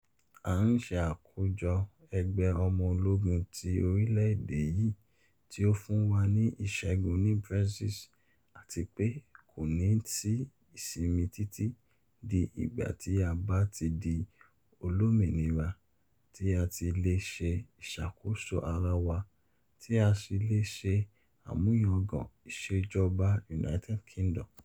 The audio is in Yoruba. À ń ṣe àkójọ ẹgbẹ́ ọmọ ogun tí orílẹ̀-èdè yìí tí ó fún wa ní ìṣẹ́gun ní Brexit àti pé kò ní sí ìsimi títí di ìgbà tí a bá ti di olómìnira, tí a ti lè ṣe ìṣakóso ara wa, tí a sì lè sẹ àmúyangàn ìṣèjọba United Kingdom.'